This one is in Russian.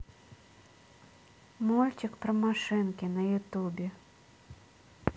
мультик про машинки на ютубе